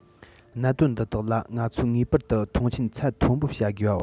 གནད དོན འདི དག ལ ང ཚོས ངེས པར དུ མཐོང ཆེན ཚད མཐོན པོ བྱ དགོས པ